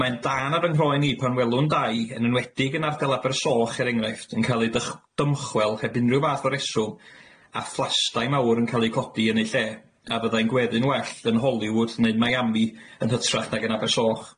Mae'n dân ar fy nghroen i pan welwn dai, yn enwedig yn ardal Abersoch, er enghraifft, yn ca'l eu dych- dymchwel heb unrhyw fath o reswm, a phlastai mawr yn ca'l eu codi yn eu lle, a fyddai'n gweddu'n well yn Hollywood neu'n Miami yn hytrach nag yn Abersoch.